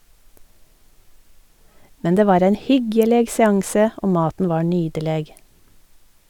Men det var ein hyggjeleg seanse, og maten var nydeleg.